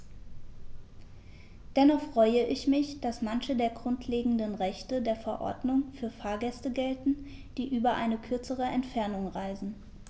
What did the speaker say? Dennoch freue ich mich, dass manche der grundlegenden Rechte der Verordnung für Fahrgäste gelten, die über eine kürzere Entfernung reisen.